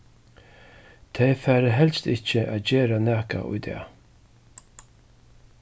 tey fara helst ikki at gera nakað í dag